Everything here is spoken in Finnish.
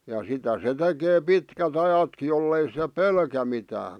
ja sitä se tekee pitkät ajatkin jos ei se pelkää mitään